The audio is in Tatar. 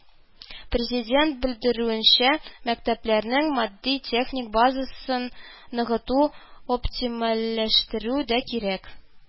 Президент бедерүенчә, мәктәпләрнең матди-техник базасын ныгыту, оптимальләштерү дә кирәк